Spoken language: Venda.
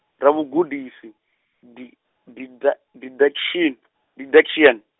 ravhugudisi, di- didu-, diduction , diductian.